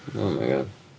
Oh my God.